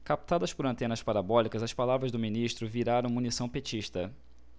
captadas por antenas parabólicas as palavras do ministro viraram munição petista